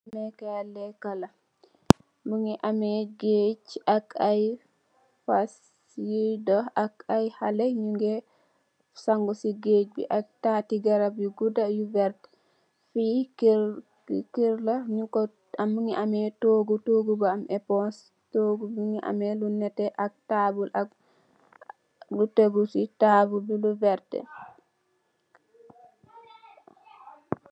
Defee KAAY leeka la, mu ngi amee geege ak ay fas yuy dox ak ay xalé ñu ngee sangu si geege, ak taati garab yu gudda, yu werta. Fii kër la, mu ngi amee toogu, toogu bu am eponse, toogu bi ñu ngi amee lu nétté ak taabul ak lu teggu si taabul bi lu werta.